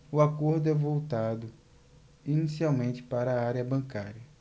o acordo é voltado inicialmente para a área bancária